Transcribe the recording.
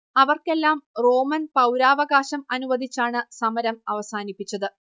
അവർക്കെല്ലാം റോമൻ പൗരാവകാശം അനുവദിച്ചാണ് സമരം അവസാനിപ്പിച്ചത്